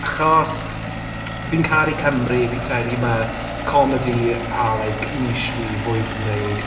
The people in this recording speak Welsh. Achos fi'n caru Cymru. Fi'n credu mae comedi a like niche fi'n fwy Cymreig.